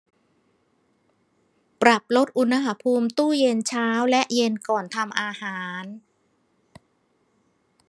ปรับลดอุณหภูมิตู้เย็นเช้าและเย็นก่อนทำอาหาร